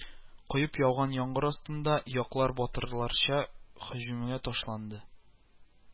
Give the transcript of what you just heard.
Коеп яуган яңгыр астында яклар батырларча һөҗүмгә ташланды